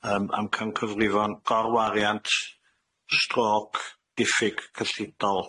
Yym amcangyfrifon gorwariant stroc diffyg cyllidol.